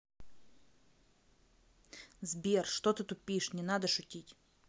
сбер что ты тупишь не надо шутить